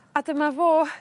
A dyma fo.